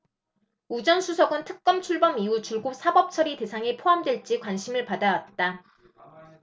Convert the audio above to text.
우 전 수석은 특검 출범 이후 줄곧 사법처리 대상에 포함될지 관심을 받아왔다